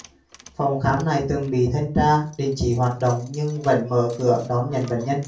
phòng khám này từng bị thanh tra đình chỉ hoạt động nhưng vẫn mở cửa đón nhận bệnh nhân